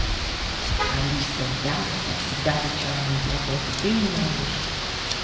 алиса в яндексе всегда отвечала на эти вопросы ты не можешь